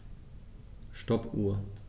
Stoppuhr.